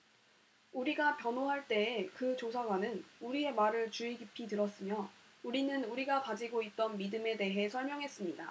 우리가 변호할 때에 그 조사관은 우리의 말을 주의 깊이 들었으며 우리는 우리가 가지고 있던 믿음에 대해 설명했습니다